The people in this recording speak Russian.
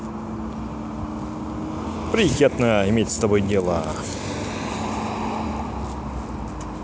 приятно иметь с тобой дело